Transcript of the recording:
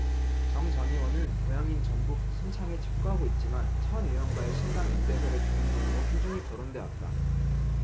정 전 의원은 고향인 전북 순창에 칩거하고 있지만 천 의원과의 신당 연대설의 주인공으로 꾸준히 거론돼왔다